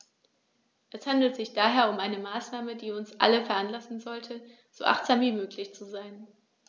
Es handelt sich daher um eine Maßnahme, die uns alle veranlassen sollte, so achtsam wie möglich zu sein.